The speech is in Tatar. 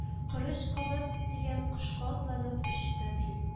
Корыч-канат дигән кошка атланып очты, ди